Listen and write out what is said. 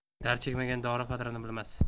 dard chekmagan dori qadrini bilmas